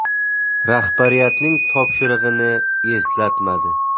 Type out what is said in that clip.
rahbariyatning topshirig'ini eslatmadi